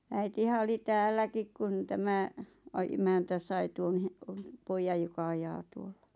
äitihän oli täälläkin kun tämä - emäntä sai tuon - pojan joka ajaa tuolla